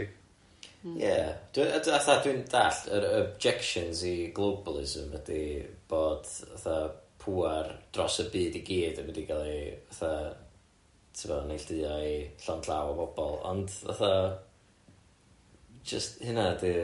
Ie dwi fatha dwi'n dallt yr objections i globalism ydi bod fatha pŵar dros y byd i gyd yn mynd i ga'l ei fatha, ti'bod neilltuo i llond llaw o bobl ond fatha, jyst hynna ydi'r...